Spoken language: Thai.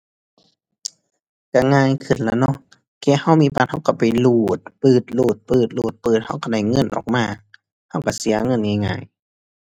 ก็ง่ายขึ้นล่ะเนาะ แค่ก็มีบัตรก็ก็ไปรูดปรื๊ด รูดปรื๊ด รูดปรื๊ด ก็ก็ได้เงินออกมา ก็ก็เสียเงินง่ายง่าย